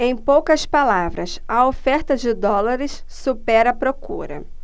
em poucas palavras a oferta de dólares supera a procura